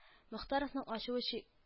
Мохтаровның ачуы чи